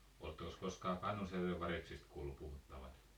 olettekos koskaan Kannusjärven variksista kuullut puhuttavan